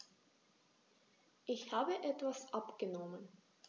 Ich habe etwas abgenommen.